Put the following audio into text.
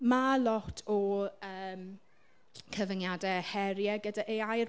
Ma' lot o yym cyfyngiadau a heriau gyda AI.